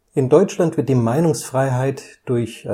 In Deutschland wird die Meinungsfreiheit durch